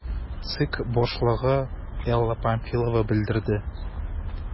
ЦИК башлыгы Элла Памфилова белдерде: